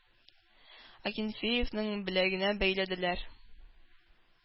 Акинфееевның беләгенә бәйләделәр.